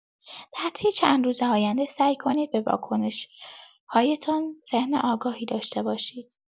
در طی چند روز آینده سعی کنید به واکنش‌هایتان ذهن‌آگاهی داشته باشید.